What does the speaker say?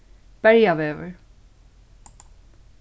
berjavegur